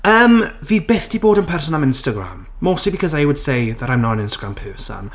Yym, fi byth 'di bod yn person am Instagram. Mostly because I would say that I'm not an Instagram person.